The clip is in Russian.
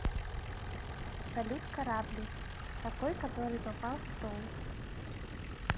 салют корабли какой которые попали в стол